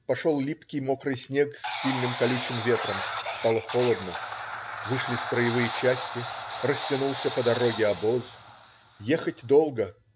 Пошел липкий, мокрый снег с сильным, колючим ветром. Стало холодно. Вышли строевые части. Растянулся по дороге обоз. Ехать долго.